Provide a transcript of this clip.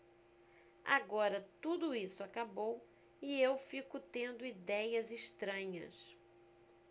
agora tudo isso acabou e eu fico tendo idéias estranhas